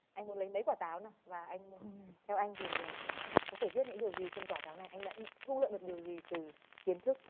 anh muốn lấy mấy quả táo này và anh theo anh thì người có thể viết những điều gì trên quả táo này anh đã thu lượm được điều gì từ kiến thức